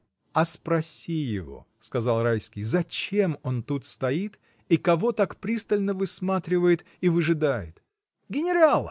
— А спроси его, — сказал Райский, — зачем он тут стоит и кого так пристально высматривает и выжидает? Генерала!